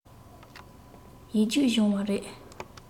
ཡིག རྒྱུགས སྦྱོང བ རེད